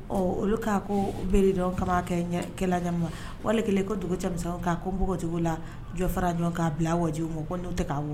Ɔ olu kaa ko beredɔn ka kɛkɛla ɲɛ ma walima kɛlen ko dugu cɛmisɛn ko npogo cogo la jɔ fara ɲɔgɔn k'a bila wajibi ma ko'o tɛ'a wa